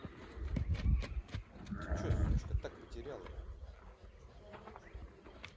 ты че сучка так потеряла